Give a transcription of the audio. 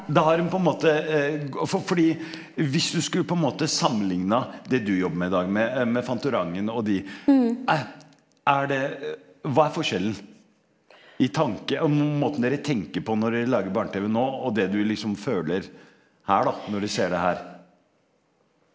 da har dem på en måte og fordi hvis du skulle på en måte sammenligna det du jobber med i dag med med Fantorangen og de er det hva er forskjellen i tanke, og måten dere tenker på når dere lager barne-tv nå og det du liksom føler her da, når du ser det her?